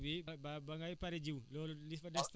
da nga daa gis si biir jiw bi sax dañ si doon boole yeneen